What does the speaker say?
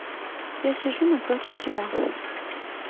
я сижу напротив тебя